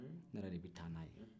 ne yɛrɛ de bɛ taa n'a ye